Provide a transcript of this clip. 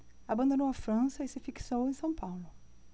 abandonou a frança e se fixou em são paulo